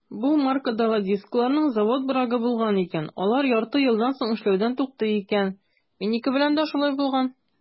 Бу маркадагы дискларның завод брагы булган икән - алар ярты елдан соң эшләүдән туктый икән; минеке белән дә шулай булган.